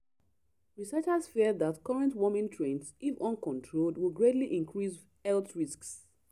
Researchers fear that current warming trends, if uncontrolled, will greatly increase health risks.